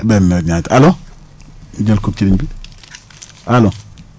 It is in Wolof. benn nawet ñaari allo jël kooku ci ligne bi allo